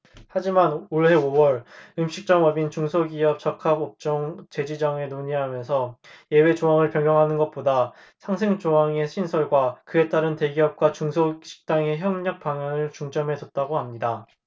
하지만 올해 오 월 음식점업의 중소기업적합업종 재지정을 논의하면서 예외조항을 변경보다는 상생 조항의 신설과 그에 따른 대기업과 중소식당의 협력 방안에 중점을 뒀다고 합니다